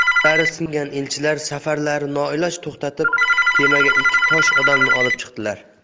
umidlari singan elchilar safarlarini noiloj to'xtatib kemaga ikki tosh odamni olib chiqdilar